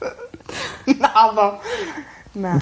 Naddo. Na.